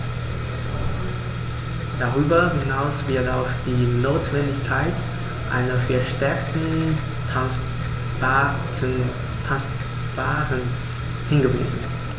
Darüber hinaus wird auf die Notwendigkeit einer verstärkten Transparenz hingewiesen.